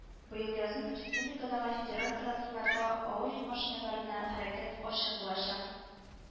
Быел язын республикадагы федераль трассаларда авыр йөк машиналарына хәрәкәт ачык булачак